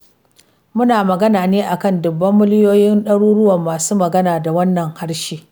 Muna magana ne akan dubban miliyoyin ɗaruruwan masu magana da wannan harshe.